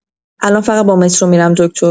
الان فقط با مترو می‌رم دکتر.